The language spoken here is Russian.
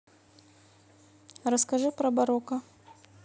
расскажи про барокко